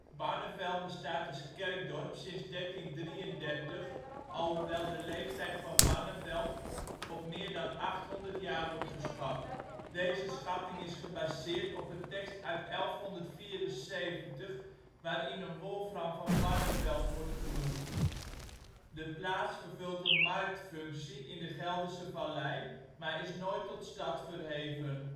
Barneveld bestaat als kerkdorp sinds 1333, alhoewel de leeftijd van Barneveld op meer dan 800 jaar wordt geschat. Deze schatting is gebaseerd op een tekst uit 1174 waarin een Wolfram van Barneveld wordt genoemd. De plaats vervult een marktfunctie in de Gelderse Vallei, maar is nooit tot stad verheven